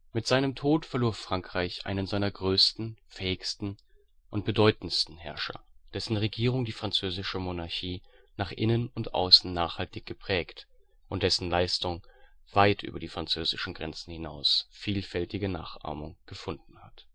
Mit seinem Tod verlor Frankreich einen seiner, größten, fähigsten und bedeutendsten Herrscher, dessen Regierung die französische Monarchie nach innen und außen nachhaltig geprägt und dessen Leistung weit über die französischen Grenzen hinaus vielfältige Nachahmung gefunden hat